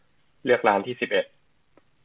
เลือกร้านที่สิบเอ็ด